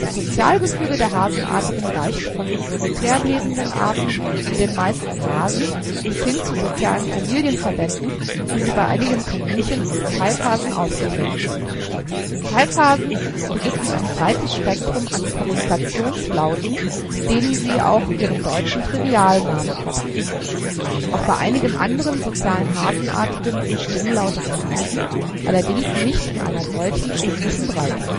Sozialgefüge der Hasenartigen reicht von solitär lebenden Arten wie den meisten Hasen bis hin zu sozialen Familienverbänden, wie sie bei einigen Kaninchen und Pfeifhasen ausgeprägt sind. Pfeifhasen besitzen ein breites Spektrum an Kommunikationslauten, denen sie auch ihren deutschen Trivialnamen verdanken. Auch bei einigen anderen sozialen Hasenartigen sind Stimmlaute vorhanden, allerdings nicht in einer solchen stimmlichen Breite